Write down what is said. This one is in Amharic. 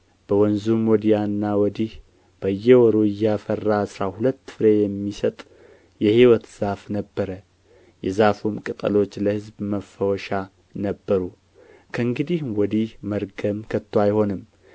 በወንዙም ወዲያና ወዲህ በየወሩ እያፈራ አሥራ ሁለት ፍሬ የሚሰጥ የሕይወት ዛፍ ነበረ የዛፉም ቅጠሎች ለሕዝብ መፈወሻ ነበሩ ከእንግዲህም ወዲህ መርገም ከቶ አይሆንም